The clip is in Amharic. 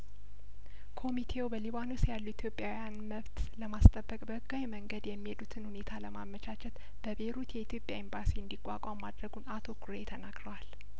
ኮሚቴው በሊባኖስ ያሉ ኢትዮጵያውያን መብት ለማስጠበቅ በህጋዊ መንገድ የሚሄዱ በትን ሁኔታ ለማመቻቸት በቤይሩት የኢትዮጵያ ኤምባሲ እንዲቋቋም ማድርጉን አቶ ኩሬ ተናግረዋል